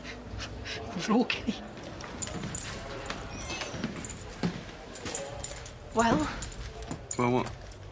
Ma'n ddrwg gin i. Wel? Wel, wha?